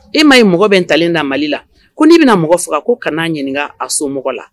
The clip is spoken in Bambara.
E ma ye mɔgɔ bɛ ntalen da mali la ko n'i bɛna mɔgɔ faga ko kanaa ɲininka a so mɔgɔ la